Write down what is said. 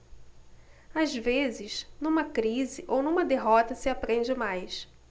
às vezes numa crise ou numa derrota se aprende mais